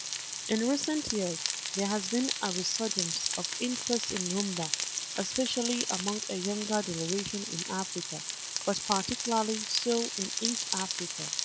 In recent years, there has been a resurgence of interest in Rhumba, especially among a younger generation in Africa but particularly so in East Africa.